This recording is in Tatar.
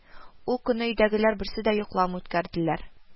Ул көнне өйдәгеләр берсе дә йокламый үткәрделәр